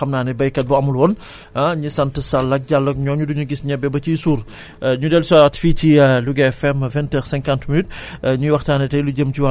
voilà jaaraama baykat ku fi xiif yaa ko dundal ba mu suur loolu am na solo ndax xam naa ne baykat bu amaul woon ah ñi sant Sall ak Diallo ñooñu du ñu gis ñebe ba ciy suur